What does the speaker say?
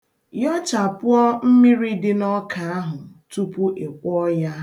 Yọchapụọ mmiri dị n'ọka ahụ tupu i kwọọ ya.